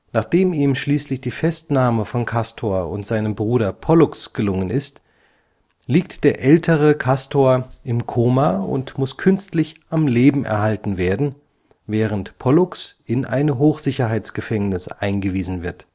Nachdem ihm schließlich die Festnahme von Castor und seinem Bruder Pollux gelungen ist, liegt der ältere Castor im Koma und muss künstlich am Leben erhalten werden, während Pollux ins Hochsicherheitsgefängnis Erehwon eingewiesen wird